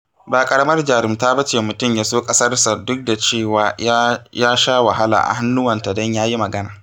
Ba ƙaramar jarumta ba ce mutum ya so ƙasarsa duk da cewa ya sha wahala a hannuwanta don ya yi magana.